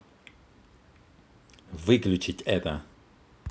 выключить это